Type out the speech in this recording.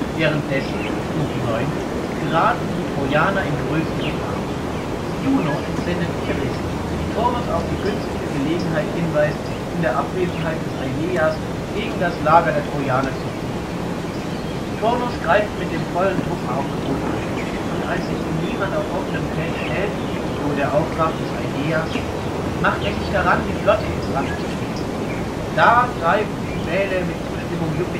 Währenddessen (Buch 9) geraten die Trojaner in größte Gefahr: Juno entsendet Iris, die Turnus auf die günstige Gelegenheit hinweist, in der Abwesenheit des Aeneas gegen das Lager der Trojaner zu ziehen. Turnus greift mit dem vollen Truppenaufgebot an, und als sich ihm niemand auf offenem Feld stellt – so der Auftrag des Aeneas –, macht er sich daran, die Flotte in Brand zu stecken. Da greift Cybele mit Zustimmung